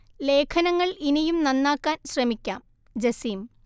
ലേഖനങ്ങൾ ഇനിയും നന്നാക്കാൻ ശ്രമിക്കാം ജസീം